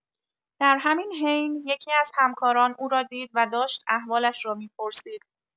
در همین حین یکی‌از همکاران او را دید و داشت احوالش را می‌پرسید.